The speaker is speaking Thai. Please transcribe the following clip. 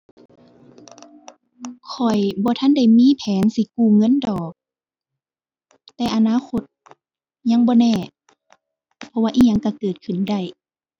ข้อยบ่ทันได้มีแผนสิกู้เงินดอก แต่อนาคตยังบ่แน่ เพราะว่าอิหยังก็เกิดขึ้นได้